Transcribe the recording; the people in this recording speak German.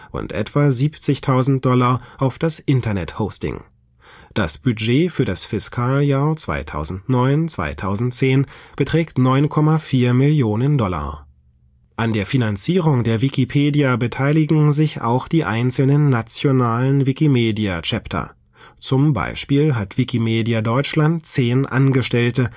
und etwa 70.000 Dollar auf das Internet-Hosting. Das Budget für das Fiskaljahr 2009/2010 beträgt 9,4 Millionen Dollar. An der Finanzierung der Wikipedia beteiligen sich auch die einzelnen nationalen Wikimedia-Chapter. Zum Beispiel hat Wikimedia Deutschland zehn Angestellte